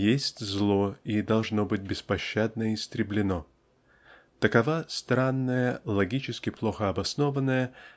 есть зло и должно быть беспощадно истреблено -- такова странная логически плохо обоснованная